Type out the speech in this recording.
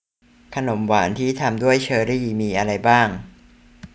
ขนมหวานที่ทำด้วยเชอร์รี่มีอะไรบ้าง